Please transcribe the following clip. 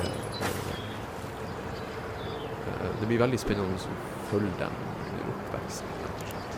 Det blir veldig spennende å følge dem under oppveksten, rett og slett.